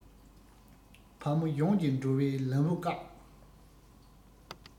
བ མོ ཡོངས ཀྱི འགྲོ བའི ལམ བུ བཀག